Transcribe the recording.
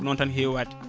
noon tan heewi waade